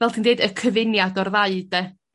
fel ti'n deud y cyfuniad o'r ddau 'de?